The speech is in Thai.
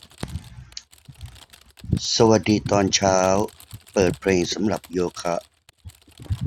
สวัสดีตอนเช้าเปิดเพลงสำหรับโยคะ